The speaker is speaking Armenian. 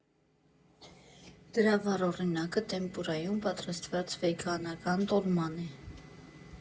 Դրա վառ օրինակը տեմպուրայում պատրաստված վեգանական տոլման է։